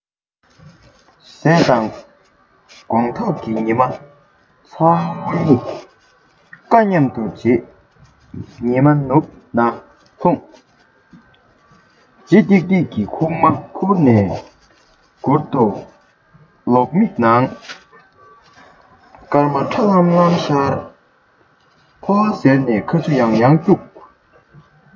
ཟས དང དགོང ཐོག གི ཉི མ ཚ བོ གཉིས ཀ མཉམ དུ བརྗེད ཉི མ ནུབ ན ལྷུང ལྗིད ཏིག ཏིག གི ཁུག མ ཁུར ནས གུར དུ ལོག མིག ནང སྐར མ ཁྲ ལམ ལམ ཤར ཕོ བ གཟེར ནས ཁ ཆུ ཡང ཡང བསྐྱུགས